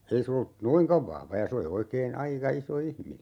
ei se ollut noinkaan vahva ja se oli oikein aika iso ihminen